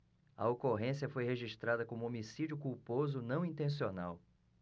a ocorrência foi registrada como homicídio culposo não intencional